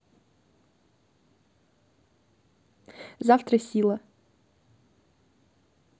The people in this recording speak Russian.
завтра сила